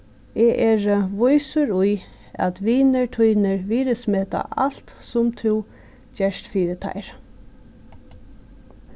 eg eri vísur í at vinir tínir virðismeta alt sum tú gert fyri teir